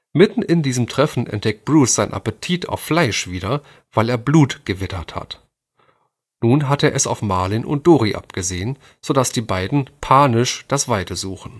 Mitten in diesem Treffen entdeckt Bruce seinen Appetit auf Fleisch wieder, weil er Blut gewittert hat. Nun hat er es auf Marlin und Dorie abgesehen, so dass die beiden panisch das Weite suchen